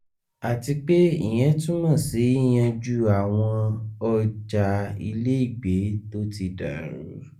Àtipé ìyẹn túms sí yíyanjú àwọn ọjà ilégèé tó ti dárú.